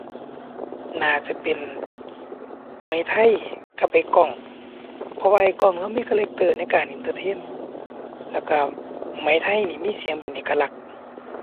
น่าจะเป็นไหมไทยกับอ้ายก้อง เพราะว่าอ้ายก้องเลามีคาแรกเตอร์ในการเอนเตอร์เทน แล้วก็ไหมไทยนี่มีเสียงเป็นเอกลักษณ์